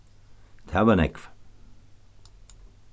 tað var nógv